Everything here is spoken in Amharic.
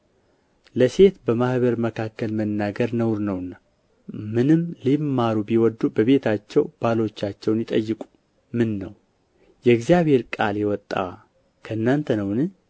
ለሴት በማኅበር መካከል መናገር ነውር ነውና ምንም ሊማሩ ቢወዱ በቤታቸው ባሎቻቸውን ይጠይቁ ምን ነው የእግዚአብሔር ቃል የወጣ ከእናንተ ነውን